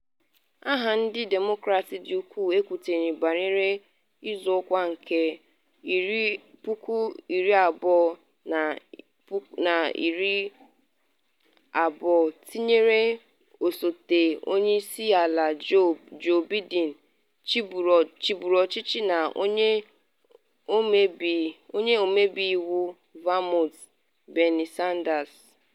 Aha ndị Demokrat ndị ukwuu ekwutere banyere ịzọ ọkwa nke 2020 tinyere Osote Onye Isi Ala Joe Biden chịburu ọchịchị na Onye Ọmebe iwu Vermont Bernie Sanders.